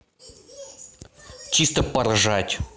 чисто поржать